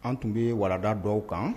An tun bɛ warada dɔw kan